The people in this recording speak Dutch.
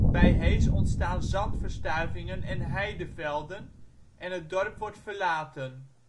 Bij Hees ontstaan zandverstuivingen en heidevelden en het dorp wordt verlaten